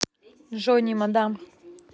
jony мадам